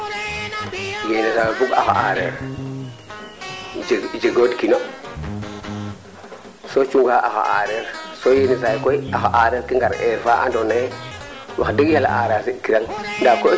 yaam a axa areer rek na mbiya o njom'a naan yaam tena seera a seera ɗomu yaam roog moƴu kaafiin ɓasi yiin keene fop i naanga njangan kam ngentan ne o jega nge o kondofa jeg a dimle ong ta ndaa axa areer koy